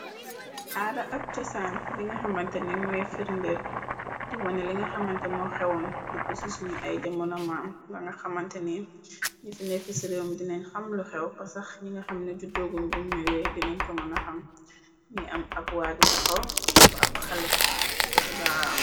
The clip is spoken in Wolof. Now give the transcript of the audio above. Aada ak cosaan dinga xamanteni mooy firndeel di wane li nga xamante moo xewoon dippisi suñu ay jamona maam nga nga xamante ni ñi fi nerfi ci réew mi dinañ xam lu xew pasax ñi nga xamne juddooguñ buñ ñowee dineñ ko mëna xam ñi am ab waaju taxaw popp ab xale dekkati baaraam.